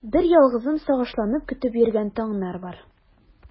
Берьялгызым сагышланып көтеп йөргән таңнар бар.